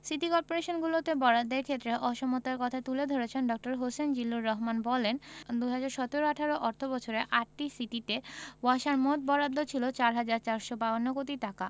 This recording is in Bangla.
সিটি করপোরেশনগুলোতে বরাদ্দের ক্ষেত্রে অসমতার কথা তুলে ধরে ড. হোসেন জিল্লুর রহমান বলেন ২০১৭ ১৮ অর্থবছরে আটটি সিটিতে ওয়াসার মোট বরাদ্দ ছিল ৪ হাজার ৪৫২ কোটি টাকা